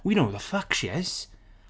we know who the fuck she is.